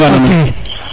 ok